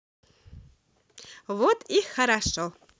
вот и хорошо